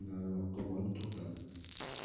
nariroqqa borib to'xtadi